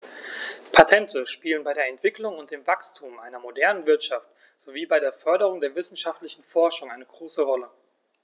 Patente spielen bei der Entwicklung und dem Wachstum einer modernen Wirtschaft sowie bei der Förderung der wissenschaftlichen Forschung eine große Rolle.